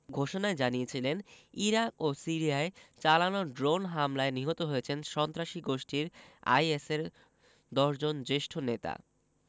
ঘোষণায় জানিয়েছিলেন ইরাক ও সিরিয়ায় চালানো ড্রোন হামলায় নিহত হয়েছেন সন্ত্রাসী গোষ্ঠী আইএসের ১০ জন জ্যেষ্ঠ নেতা